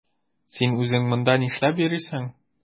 Син үзең монда нишләп йөрисең?